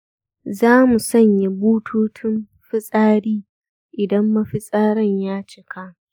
zamu sanya bututun fitsari idan mafitsaran ya cika